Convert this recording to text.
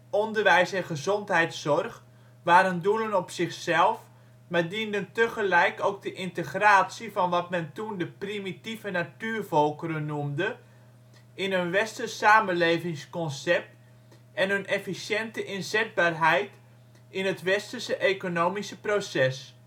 onderwijs en gezondheidszorg waren doelen op zichzelf, maar dienden tegelijk ook de integratie van wat men toen de ' primitieve natuurvolkeren ' noemde in een westers samenlevingsconcept en hun efficiënte inzetbaarheid in het westerse economische proces